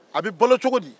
a bɛ balo cogo di